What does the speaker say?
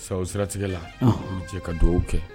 Sabu siratigɛ la n tɛ ka dɔw kɛ